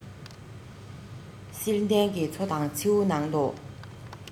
བསིལ ལྡན གྱི མཚོ དང མཚེའུ ནང དུ